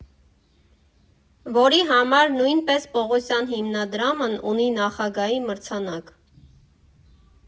Որի համար նույնպես Պողոսյան հիմնադրամն ունի Նախագահի մրցանակ։